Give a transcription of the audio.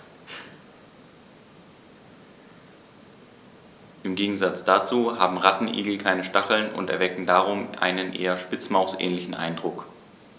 Im Gegensatz dazu haben Rattenigel keine Stacheln und erwecken darum einen eher Spitzmaus-ähnlichen Eindruck.